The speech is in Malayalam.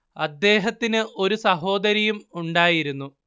അദ്ദേഹത്തിന് ഒരു സഹോദരിയും ഉണ്ടായിരുന്നു